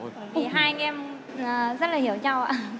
hai anh em rất là hiểu nhau ạ